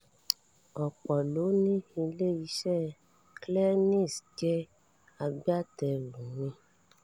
”Ọ̀pọ̀ ló ní ile-iṣẹ́ Kleenex jẹ́ agbátẹrù mi.